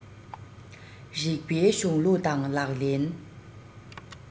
རིགས པའི གཞུང ལུགས དང ལག ལེན